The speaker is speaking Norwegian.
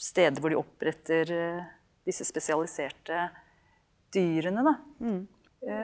steder hvor de oppretter disse spesialiserte dyrene da .